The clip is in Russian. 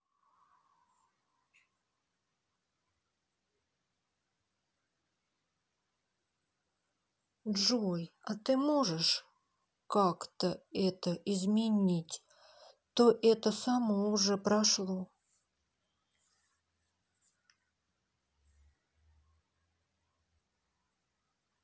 джой а ты можешь как то это изменить то это само уже прошло